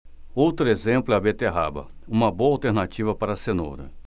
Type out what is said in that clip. outro exemplo é a beterraba uma boa alternativa para a cenoura